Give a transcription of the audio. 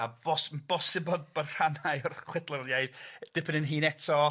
a bos- yn bosibl bod rhannau o'r chwedloniaeth dipyn yn hŷn eto.